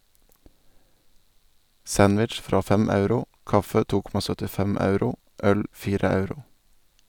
Sandwich fra 5 euro, kaffe 2,75 euro, øl 4 euro.